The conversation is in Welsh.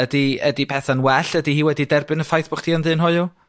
Ydi ydi petha'n well? Ydi hi wedi derbyn y ffaith bod chdi yn ddyn hoyw?